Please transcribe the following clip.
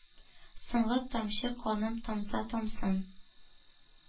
Соңгы тамчы каным тамса тамсын,